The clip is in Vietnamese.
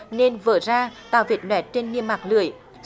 nên vỡ ra tạo vết loét trên niêm mạc lưỡi